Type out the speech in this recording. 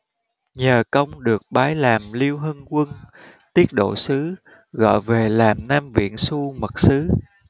nhờ công được bái làm liêu hưng quân tiết độ sứ gọi về làm nam viện xu mật sứ